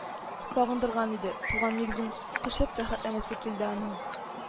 Сагындырган иде – туган нигезен кочып рәхәтләнәсе килде аның